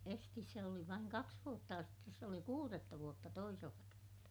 esisti se oli vain kaksi vuotta ja sitten se oli kuudetta vuotta toisella kertaa